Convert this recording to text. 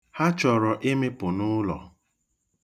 Ha chọrọ ịmịpụ n'ụlọ.